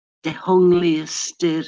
Dehongli ystyr.